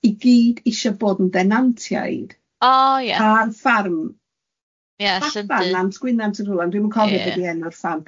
i gyd isho bod yn denantiaid... O ia... Ar ffarm.... Ia Llyndŷ.... Falla Nant Gwynant yn rhwle ond dwi'm yn cofio cofio be di enw'r ffarm.